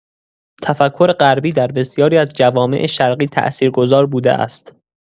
تفکر غربی در بسیاری از جوامع شرقی تأثیرگذار بوده است.